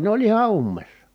ne oli ihan ummessa